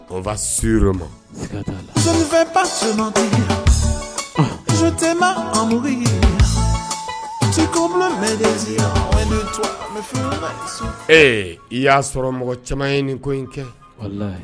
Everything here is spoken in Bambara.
Ko i y'a sɔrɔ mɔgɔ caman ye ni ko in kɛ